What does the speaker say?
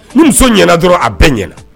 Ni muso ɲɛna dɔrɔn a bɛɛ ɲɛna